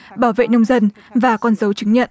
bảo vệ nông dân và con dấu chứng nhận